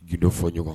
Gindofɔɲɔgɔn